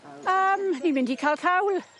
A yym ni mynd i ca'l cawl.